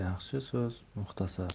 yaxshi so'z muxtasar